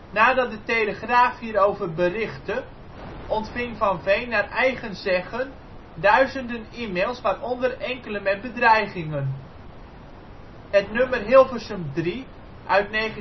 Nadat De Telegraaf hierover berichtte ontving Van Veen naar eigen zeggen duizenden e-mails waaronder enkele met bedreigingen. Het nummer Hilversum III uit 1984